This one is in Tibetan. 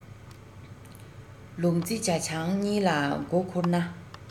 ལུག རྫི ཇ ཆང གཉིས ལ མགོ འཁོར ན